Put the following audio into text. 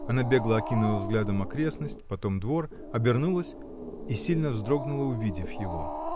она бегло окинула взглядом окрестность, потом двор, обернулась — и сильно вздрогнула, увидев его.